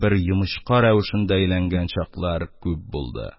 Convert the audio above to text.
Бер йомычка рәвешендә әйләнгән чаклар күп булды.